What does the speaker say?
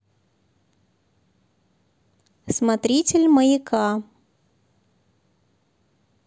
смотритель маяка